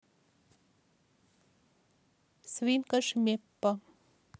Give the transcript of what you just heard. свинка шмеппа